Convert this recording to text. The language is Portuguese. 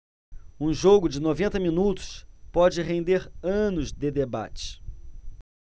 um jogo de noventa minutos pode render anos de debate